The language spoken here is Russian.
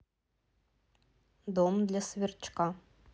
дом для сверчка